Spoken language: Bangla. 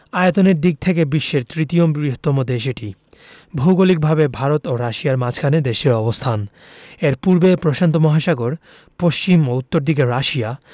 আয়তনের দিক থেকে বিশ্বের তৃতীয় বৃহত্তম দেশ এটি ভৌগলিকভাবে ভারত ও রাশিয়ার মাঝখানে দেশটির অবস্থান এর পূর্বে প্রশান্ত মহাসাগর পশ্চিম ও উত্তর দিকে রাশিয়া